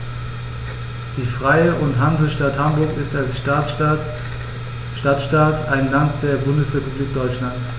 Die Freie und Hansestadt Hamburg ist als Stadtstaat ein Land der Bundesrepublik Deutschland.